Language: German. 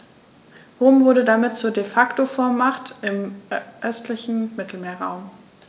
Rom wurde damit zur ‚De-Facto-Vormacht‘ im östlichen Mittelmeerraum.